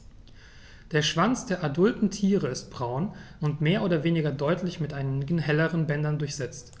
Der Schwanz der adulten Tiere ist braun und mehr oder weniger deutlich mit einigen helleren Bändern durchsetzt.